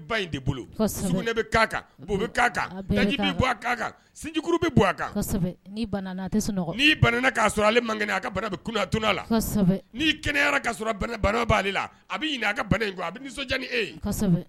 Ba in de bolo, kosɛbɛ, sugunɛ bɛ k'a kan, bo bɛ k'a kan, a bɛɛ bɛ k'a kan , daji bɛ k'a kan, sinjikuru bɛ bɔn a kan, kosɛbɛ, n'i banana a tɛ sunɔgɔ, n'i banana kasɔrɔ ale man kɛnɛ a ka bana bɛ tunun a la, kosɛbɛ, n'i kɛnɛyara kasɔrɔ bana b'ale la a bɛ ɲinɛ a ka bana in kɔ a bɛ nisɔndiya ni e ye, kosɛbɛ